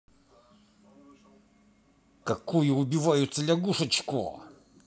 какую убиваются лягушечку